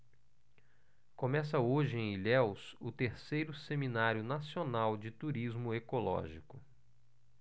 começa hoje em ilhéus o terceiro seminário nacional de turismo ecológico